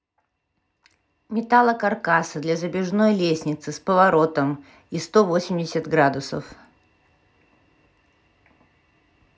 металлокаркаса для забежной лестницы с поворотом и сто восемьдесят градусов